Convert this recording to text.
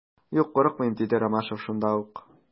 Юк, курыкмыйм, - диде Ромашов шунда ук.